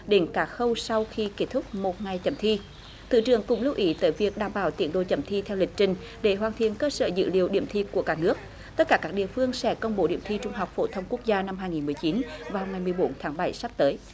đến các khâu sau khi kết thúc một ngày chấm thi thứ trưởng cũng lưu ý tới việc đảm bảo tiến độ chấm thi theo lịch trình để hoàn thiện cơ sở dữ liệu điểm thi của cả nước tất cả các địa phương sẽ công bố điểm thi trung học phổ thông quốc gia năm hai nghìn mười chín vào ngày mười bốn tháng bảy sắp tới